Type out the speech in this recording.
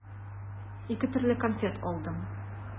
Ике төрле конфет алдым.